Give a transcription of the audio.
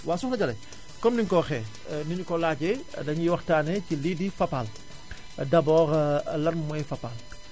waaw Soxna Jalle comme ni ñu ko waxee ni ñu ko laajee dañuy waxtanee ci lii di Fapal d' abord lan mooy Fapal